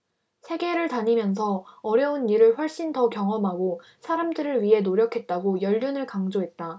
세계를 다니면서 어려운 일을 훨씬 더 경험하고 사람들을 위해 노력했다고 연륜을 강조했다